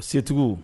Setigiw